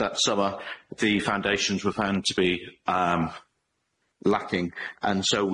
that summer the foundations were found to be um lacking and so